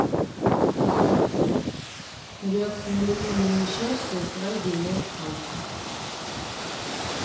реакция на лимонные несчастья friday night funkin